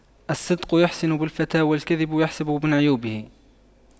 الصدق يحسن بالفتى والكذب يحسب من عيوبه